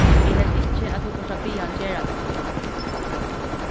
eg helt ikki at tú fórt at biðja hann gera tað